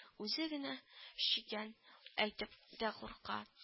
Үзе генә шигән әйтеп дә курка